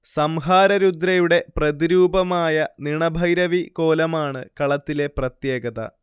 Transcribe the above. സംഹാര രുദ്രയുടെ പ്രതിരൂപമായ നിണഭൈരവി കോലമാണ് കളത്തിലെ പ്രത്യേകത